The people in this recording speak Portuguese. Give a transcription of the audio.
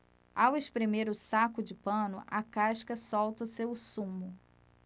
ao espremer o saco de pano a casca solta seu sumo